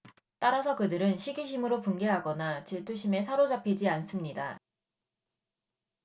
따라서 그들은 시기심으로 분개하거나 질투심에 사로잡히지 않습니다